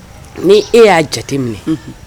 Ni e y'a jate minɛ